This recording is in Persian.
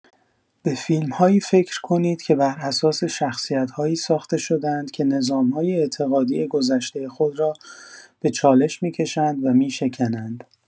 به فیلم‌هایی فکر کنید که بر اساس شخصیت‌هایی ساخته شده‌اند که نظام‌های اعتقادی گذشته خود را به چالش می‌کشند و می‌شکنند.